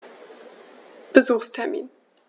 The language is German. Besuchstermin